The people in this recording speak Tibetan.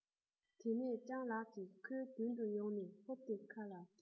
དེ དུས སྤྱང ལགས ཀྱིས ཁོའི མདུན དུ ཡོང ནས ཧོབ སྟེ ཁ ལ གློ བུར